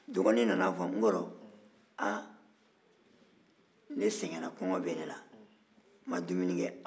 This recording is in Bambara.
dɔgɔnin nan'a fɔ n kɔrɔ a ne sɛgɛnna kɔngɔ bɛ ne na ma dumuni kɛ